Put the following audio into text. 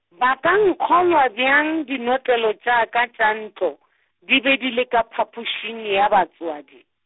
ba ka nkgolwa bjang dinotlelo tša ka tša ntlo , di be di le ka phapošing ya batswadi.